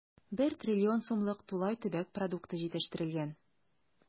1 трлн сумлык тулай төбәк продукты җитештерелгән.